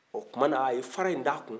o tuma na a ye fara in d'a kun